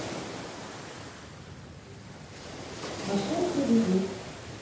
машинки би бип